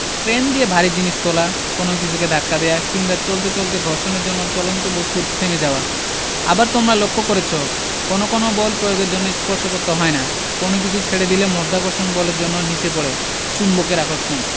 crane দিয়ে ভারী জিনিস তোলা কোনো কিছুকে ধাক্কা দেওয়া কিংবা চলতে চলতে ঘর্ষণের জন্য চলন্ত বস্তুর থেমে যাওয়া আবার তোমরা লক্ষ করেছ কোনো কোনো বল প্রয়োগের জন্য স্পর্শ করতে হয় না কোনো কিছু ছেড়ে দিলে মধ্যাকর্ষণ বলের জন্য নিচে পড়ে চুম্বকের আকর্ষণ